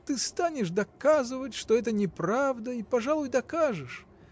Ты станешь доказывать, что это неправда, и, пожалуй, докажешь.